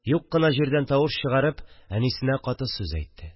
Юк кына җирдән тавыш чыгарып, әнисенә каты сүз әйтте